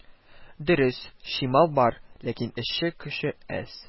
Дөрес, чимал бар, ләкин эшче көче әз